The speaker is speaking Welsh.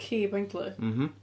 Ci pointless? M-hm.